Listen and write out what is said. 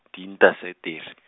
di intaseter-.